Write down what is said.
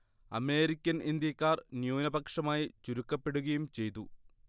American ഇന്ത്യക്കാർ ന്യൂനപക്ഷമായി ചുരുക്കപ്പെടുകയും ചെയ്തു